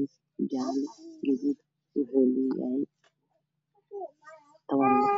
isku dabo xigo